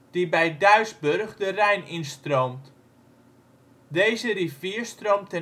die bij Duisburg de Rijn instroomt. Deze rivier stroomt